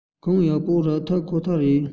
གོང ཡག པོ རག ཐབས ཁོ ཐག རེད